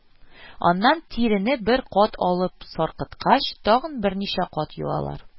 Аннан тирене бер кат алып саркыткач, тагын берничә кат юалар